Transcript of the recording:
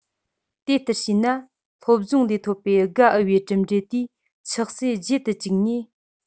དེ ལྟར བྱས ན སློབ སྦྱོང ལས ཐོབ པའི དགའ འོས པའི གྲུབ འབྲས དེས ཆགས སྲེད བརྗེད དུ བཅུག ནས